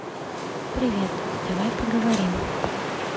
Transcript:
привет давай поговорим